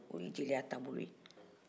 o de ye jeliya tabolo ye